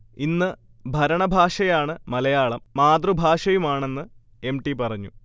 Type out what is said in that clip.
ഇന്ന്ഭരണഭാഷയാണ് മലയാളം, മാതൃഭാഷയുമാണെന്ന് M. T പറഞ്ഞു